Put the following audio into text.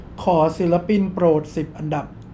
ขอศิลปินโปรดสิบอันดับ